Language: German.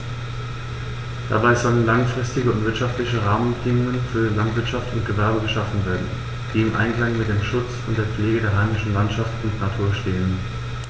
Dabei sollen langfristige und wirtschaftliche Rahmenbedingungen für Landwirtschaft und Gewerbe geschaffen werden, die im Einklang mit dem Schutz und der Pflege der heimischen Landschaft und Natur stehen.